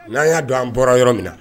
N'a y'a don an bɔra yɔrɔ min na